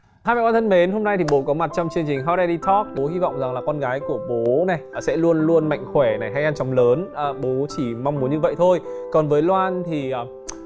hai mẹ con thân mến hôm nay thì bố có mặt trong chương trình hót đây đi thoóc bố hy vọng rằng là con gái của bố này là sẽ luôn luôn mạnh khỏe này hay ăn chóng lớn ờ bố chỉ mong muốn như vậy thôi còn với loan thì